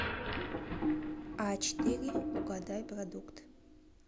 а четыре угадай продукт